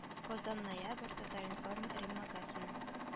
Казан ноябрь татар-информ римма гатина